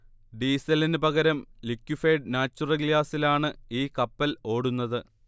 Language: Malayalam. ഡീസലിന് പകരം ലിക്യുഫൈഡ് നാച്വറൽ ഗ്യാസിലാണ് ഈ കപ്പൽ ഓടുന്നത്